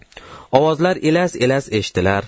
ovozlar elas elas eshitila